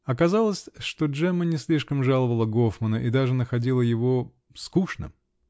Оказалось, что Джемма не слишком жаловала Гофмана и даже находила его. скучным!